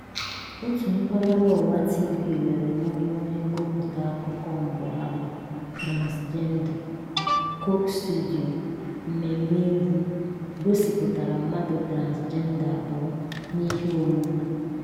Otu mpaghara ọwa TV were n’ọrụ onye ngụpụta akụkọ mbụ ha bụ transịjenda; Coke studio, mmemme egwu, gosipụtara mmadụ transịjenda abụọ n'ihe omume.